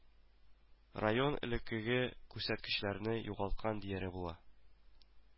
Район элеккеге күрсәткечләрне югалткан дияргә була